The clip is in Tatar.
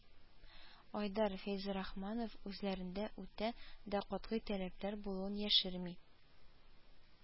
Айдар Фәйзерахманов үзләрендә үтә дә катгый таләпләр булуын яшерми